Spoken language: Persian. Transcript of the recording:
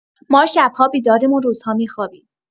ما شب‌ها بیداریم و روزها می‌خوابیم.